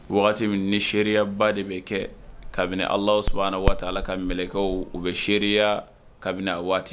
Waati min ni seriyaba de bɛ kɛ kabini Allahou Soubhana wa ta Ala ka mɛlɛkɛw u bɛ seriya kabini a waati